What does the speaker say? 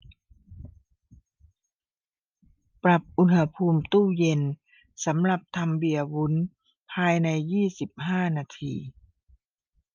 ปรับอุณหภูมิตู้เย็นสำหรับทำเบียร์วุ้นภายในยี่สิบห้านาที